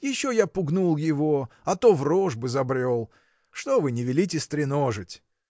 Еще я пугнул его, а то в рожь бы забрел. Что вы не велите стреножить?